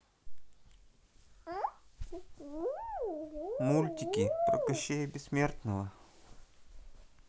мультики про кощея бессмертного